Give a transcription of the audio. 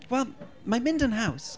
Wel, mae'n mynd yn haws.